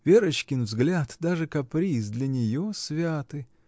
Верочкин взгляд, даже каприз — для нее святы.